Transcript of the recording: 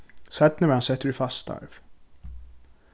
seinni varð hann settur í fast starv